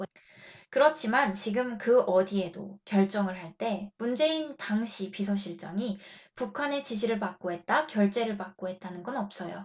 그렇지만 지금 그 어디에도 결정을 할 때 문재인 당시 비서실장이 북한의 지시를 받고 했다 결재를 받고 했다는 건 없어요